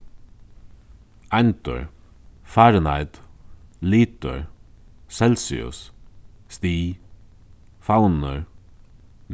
eindir fahrenheit litur celsius stig favnur